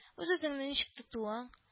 Үз-үзеңне ничек тотуың